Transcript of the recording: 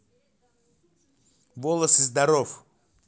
волосы здоров